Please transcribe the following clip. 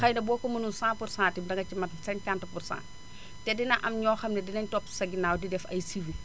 xëy na boo ko mënul 100 pour 100 tamit danga ci mën 50 pour 100 te dina am ñoo xam ne dinañ topp sa ginnaaw di def ay suivi